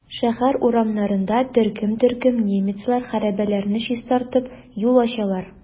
Шәһәр урамнарында төркем-төркем немецлар хәрабәләрне чистартып, юл ачалар.